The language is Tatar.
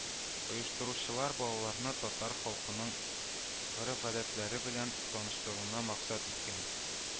Оештыручылар балаларны татар халкының гореф-гадәтләре белән таныштыруны максат иткән